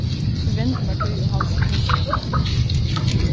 eg vendi mær tí og haldi hann tosar við meg